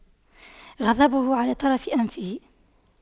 غضبه على طرف أنفه